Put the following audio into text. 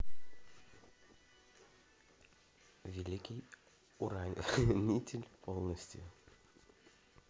великий уравнитель полностью